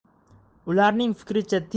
ularning fikricha teng